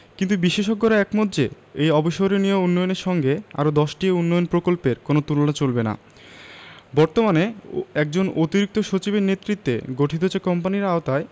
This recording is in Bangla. কিন্তু বিশেষজ্ঞরা একমত যে এই অবিস্মরণীয় উন্নয়নের সঙ্গে আরও দশটি উন্নয়ন প্রকল্পের কোনো তুলনা চলবে না বর্তমানে একজন অতিরিক্ত সচিবের নেতৃত্বে গঠিত যে কোম্পানির আওতায়